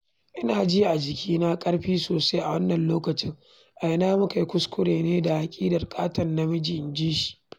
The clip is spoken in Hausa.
Ina ji a jikina, ƙarfi sosai, a wannan lokacin - a ina muka yi kuskure ne da aƙidar ƙaton namiji?,' inji shi.